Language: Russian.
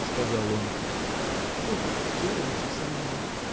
– сказал он, – что вы делаете со мной?